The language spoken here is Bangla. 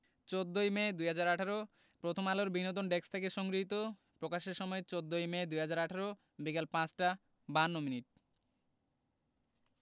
১৪ই মে ২০১৮ প্রথমআলোর বিনোদন ডেস্কথেকে সংগ্রহীত প্রকাশের সময় ১৪ই মে ২০১৮ বিকেল ৫টা ৫২ মিনিট